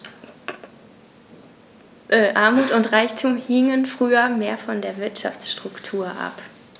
Armut und Reichtum hingen früher mehr von der Wirtschaftsstruktur ab.